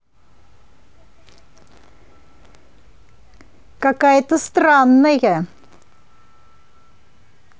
какая то странная